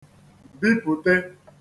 bipùte